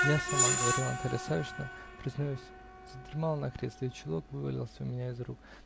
-- Я сама, -- говорила Наталья Савишна, -- признаюсь, задремала на кресле, и чулок вывалился у меня из рук.